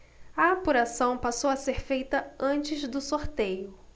a apuração passou a ser feita antes do sorteio